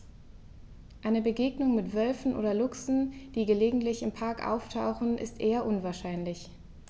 Eine Begegnung mit Wölfen oder Luchsen, die gelegentlich im Park auftauchen, ist eher unwahrscheinlich.